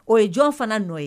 O ye jɔn fana n' ye